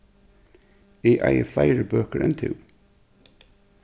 eg eigi fleiri bøkur enn tú